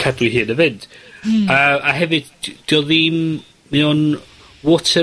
cadw 'i hun yn fynd. Hmm. A a hefyd, d- 'di o ddim, mae o'n water resistant